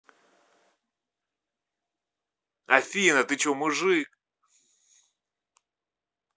афина ты че мужик